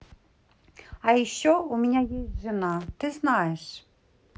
а еще у меня есть жена ты знаешь